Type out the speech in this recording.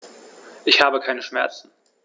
Ich habe keine Schmerzen.